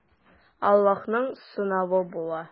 Аллаһның сынавы бу.